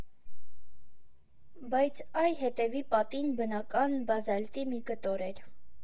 Բայց այ հետևի պատին բնական բազալտի մի կտոր էր.